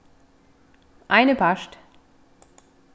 ein í part